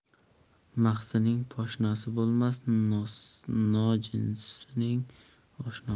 mahsining poshnasi bo'lmas nojinsining oshnasi